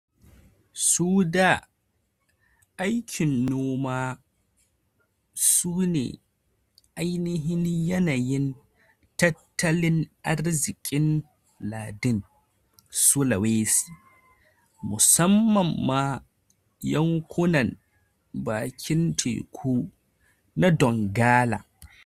su da aikin noma sune ainihin yanayin tattalin arzikin lardin Sulawesi, musamman ma yankunan bakin teku na Donggala.